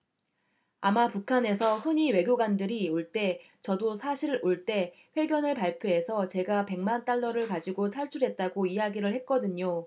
아마 북한에서 흔히 외교관들이 올 때 저도 사실 올 때 회견을 발표해서 제가 백 만 달러를 가지고 탈출했다고 이야기를 했거든요